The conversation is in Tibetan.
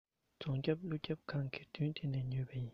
རྫོང རྒྱབ ཀླུ ཁང གི མདུན དེ ནས ཉོས པ ཡིན